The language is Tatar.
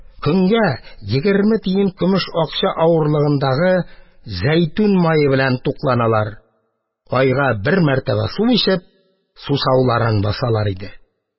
Көнгә егерме тиен көмеш акча авырлыгындагы зәйтүн мае белән тукланалар, айга бер мәртәбә су эчеп, сусауларын басалар иде.